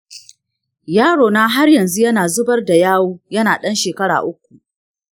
yarona har yanzu yana zubar da yawu yana ɗan shekara uku.